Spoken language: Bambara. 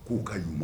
Ku ka ɲuman